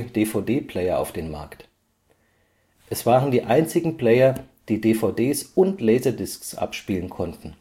DVD-Player auf dem Markt. Es waren die einzigen Player, die DVDs und LaserDiscs abspielen konnten